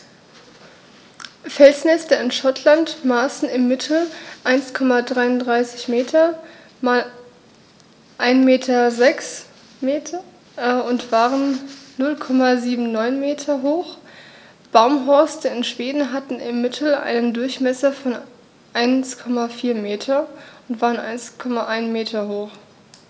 Felsnester in Schottland maßen im Mittel 1,33 m x 1,06 m und waren 0,79 m hoch, Baumhorste in Schweden hatten im Mittel einen Durchmesser von 1,4 m und waren 1,1 m hoch.